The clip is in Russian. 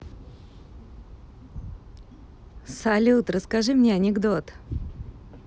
салют расскажи мне анекдот